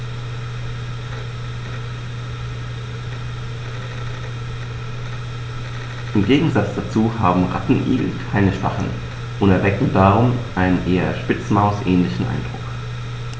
Im Gegensatz dazu haben Rattenigel keine Stacheln und erwecken darum einen eher Spitzmaus-ähnlichen Eindruck.